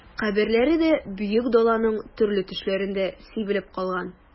Каберләре дә Бөек Даланың төрле төшләрендә сибелеп калган...